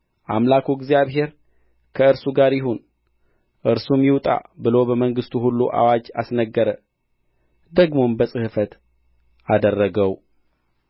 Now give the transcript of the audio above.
አምላኩ እግዚአብሔር ከእርሱ ጋር ይሁን እርሱም ይውጣ ብሎ በመንግሥቱ ሁሉ አዋጅ አስነገረ ደግሞም በጽሕፈት አደረገው